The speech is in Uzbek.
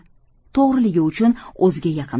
to'g'riligi uchun o'ziga yaqin